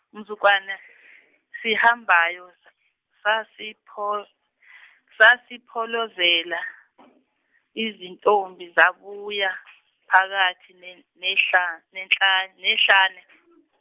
mzukwane, sihambayo za- zasipho- zasiphelezela , izintombi zabuya phakathi, nen- nehla- nehlan- nehlane .